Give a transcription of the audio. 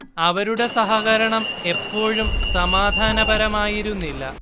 അവരുടെ സഹകരണം എപ്പോഴും സമാധാനപരമായിരുന്നില്ല